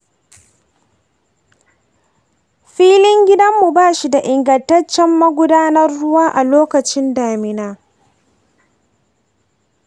filin gidanmu ba shi da ingantaccen magudanar ruwa a lokacin damina.